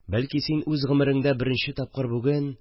Бәлки син үз гомереңдә беренче тапкыр бүген